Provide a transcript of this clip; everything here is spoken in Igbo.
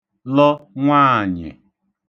lə̣ nwaànyị̀